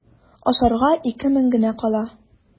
Ашарга ике мең генә кала.